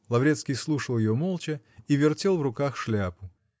Лаврецкий слушал ее молча и вертел в руках шляпу.